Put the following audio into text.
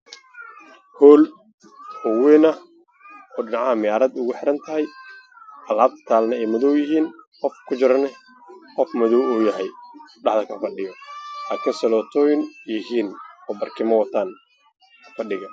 Whole weyn oo gees dhalka ah oo qurxin oo ku yaalaan muraahado waxaan yaalla fadhi waxaa ku dhex jira hal nin oo madow